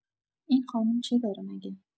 این خانوم چی داره می‌گه؟